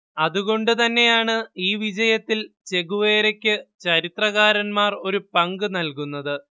അതുകൊണ്ടുതന്നെയാണ് ഈ വിജയത്തിൽ ചെഗുവേരയ്ക്ക് ചരിത്രകാരന്മാർ ഒരു പങ്ക് നല്കുന്നത്